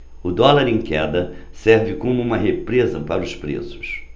o dólar em queda serve como uma represa para os preços